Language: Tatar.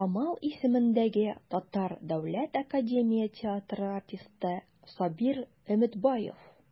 Камал исемендәге Татар дәүләт академия театры артисты Сабир Өметбаев.